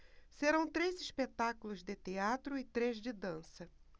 serão três espetáculos de teatro e três de dança